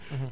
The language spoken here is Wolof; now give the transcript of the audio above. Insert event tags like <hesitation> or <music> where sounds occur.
<hesitation> <hesitation>